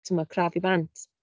timod, crafu bant.